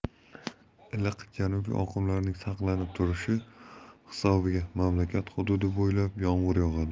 iliq janubiy oqimlarning saqlanib turishi hisobiga mamlakat hududi bo'ylab yomg'ir yog'adi